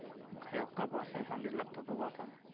qayoqqa borsang ham izlab topib otaman